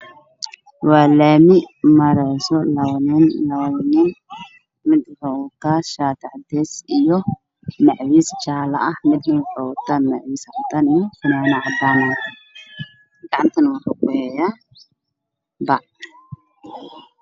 Waxaa maraayo laba nin waana lami waxay wataan shaati mid gacanta wuxuu ku wataa bac